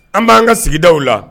An b'an ka sigidaw la